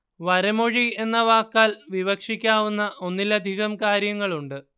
വരമൊഴി എന്ന വാക്കാൽ വിവക്ഷിക്കാവുന്ന ഒന്നിലധികം കാര്യങ്ങളുണ്ട്